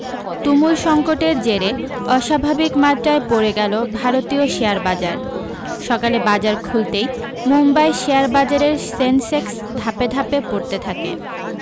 তুমুল সঙ্কটের জেরে অস্বাভাবিক মাত্রায় পড়ে গেল ভারতীয় শেয়ার বাজার সকালে বাজার খুলতেই মুম্বাই শেয়ার বাজারের সেনসেক্স ধাপে ধাপে পড়তে থাকে